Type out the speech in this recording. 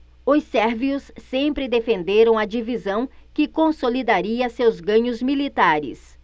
os sérvios sempre defenderam a divisão que consolidaria seus ganhos militares